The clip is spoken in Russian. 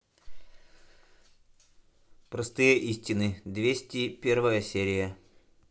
простые истины двести первая серия